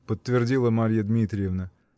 -- подтвердила Марья Дмитриевна.